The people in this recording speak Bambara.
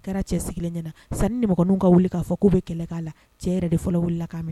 A kɛra cɛ sigilen ɲɛna, sani nimɔgɔninw ka wuli k'a k'u bɛ kɛlɛ k'a la, cɛ yɛrɛ de fɔlɔ wili k'a minɛ